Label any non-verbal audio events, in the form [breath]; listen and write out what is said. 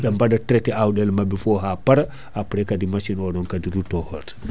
ɓe baɗa traité awɗele mabɓe foo ha paara [breath] après kaadi machine oɗon kaadi rutto hoota